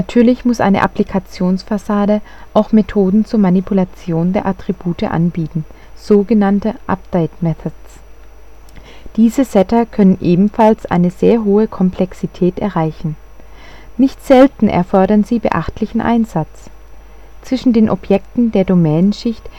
Natürlich muss eine Applikations-Fassade auch Methoden zur Manipulation der Attribute anbieten, sog. update methods. Diese Setter können ebenfalls eine sehr hohe Komplexität erreichen. Nicht selten erfordern sie beachtlichen Einsatz. Zwischen den Objekten der Domänenschicht